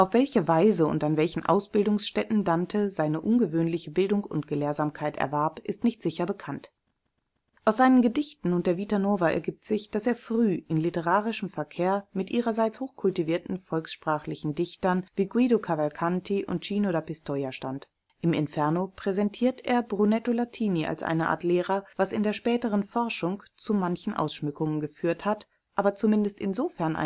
welche Weise und an welchen Ausbildungsstätten Dante seine ungewöhnliche Bildung und Gelehrsamkeit erwarb, ist nicht sicher bekannt. Aus seinen Gedichten und der Vita nova ergibt sich, dass er früh in literarischem Verkehr mit ihrerseits hochkultivierten volkssprachlichen Dichtern wie Guido Cavalcanti und Cino da Pistoia stand. Im Inferno präsentiert er Brunetto Latini als eine Art Lehrer, was in der späteren Forschung zu manchen Ausschmückungen geführt hat, aber zumindest insofern